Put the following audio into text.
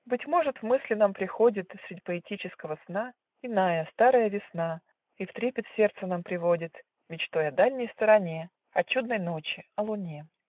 Быть может, в мысли нам приходит Средь поэтического сна Иная, старая весна И в трепет сердце нам приводит Мечтой о дальной стороне, О чудной ночи, о луне.